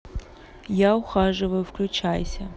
я ухаживаю включайся